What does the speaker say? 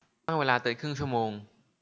ตั้งเวลาเตือนครึ่งชั่วโมง